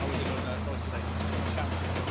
A wedyn oedd 'na, fel wnes i ddeud, oedd 'na siawns i fatha...